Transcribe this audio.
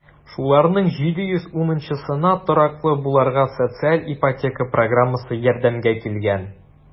Шуларның 710-сына тораклы булырга социаль ипотека программасы ярдәмгә килгән.